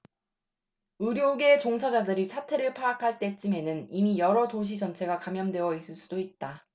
의료계 종사자들이 사태를 파악할 때쯤에는 이미 여러 도시 전체가 감염되어 있을 수도 있다